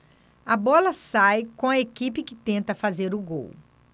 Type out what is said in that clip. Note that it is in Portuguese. a bola sai com a equipe que tenta fazer o gol